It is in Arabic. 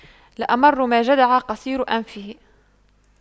لأمر ما جدع قصير أنفه